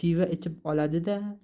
pivo ichib oladi da